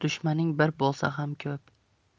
dushmaning bir bo'lsa ham ko'p